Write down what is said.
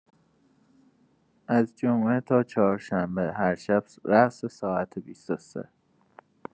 از جمعه تا چهارشنبه هر شب راس ساعت ۲۳